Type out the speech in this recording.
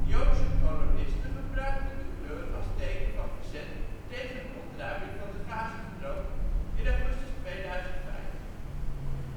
Joodse kolonisten gebruikten de kleur als teken van verzet tegen de ontruiming van de Gazastrook in augustus 2005.